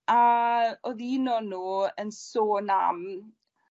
A odd un o nw yn sôn am